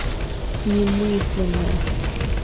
немысленное